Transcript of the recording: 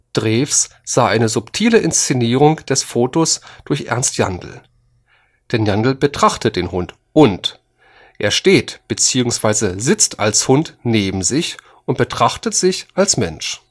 Drews sah eine „ subtile Inszenierung des Photos durch Ernst Jandl: Denn Jandl betrachtet den Hund und: er steht bzw. sitzt als Hund neben sich und betrachtet sich als Mensch